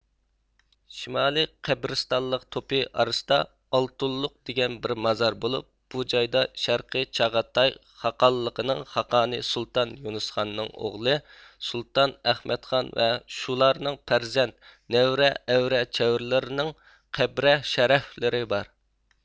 شىمالىي قەبرىستانلىق توپى ئارىسىدا ئالتۇنلۇق دېگەن بىر مازار بولۇپ بۇ جايدا شەرقىي چاغاتاي خاقانلىقىنىڭ خاقانى سۇلتان يۇنۇسخاننىڭ ئوغلى سۇلتان ئەخمەتخان ۋە شۇلارنىڭ پەرزەنت نەۋرە ئەۋرە چەۋرىلىرىنىڭ قەبرە شەرەفلىرى بار